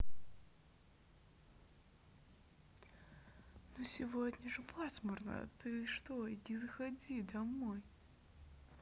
ну сегодня же пасмурно ты что иди заходи заходи домой